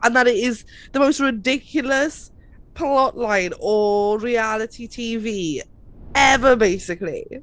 And that it is the most ridiculous plot line o reality TV ever, basically.